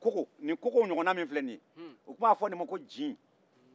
koko nin koko ɲɔgɔnna min filɛ nin ye u tun b'a fɔ nin ma ko jin